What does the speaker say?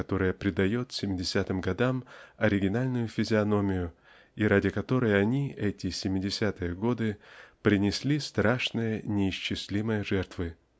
которая придает семидесятым годам оригинальную физиономию и ради которой они эти семидесятые годы принесли страшные неисчислимые жертвы" .